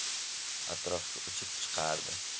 atrofga uchib chiqardi